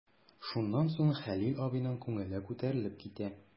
Шуннан соң Хәлил абыйның күңеле күтәрелеп китә.